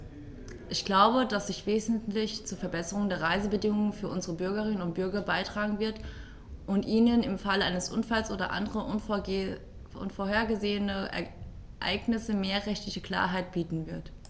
Ich glaube, dass sie wesentlich zur Verbesserung der Reisebedingungen für unsere Bürgerinnen und Bürger beitragen wird, und ihnen im Falle eines Unfalls oder anderer unvorhergesehener Ereignisse mehr rechtliche Klarheit bieten wird.